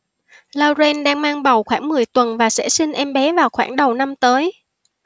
lauren đang mang bầu khoảng mười tuần và sẽ sinh em bé vào khoảng đầu năm tới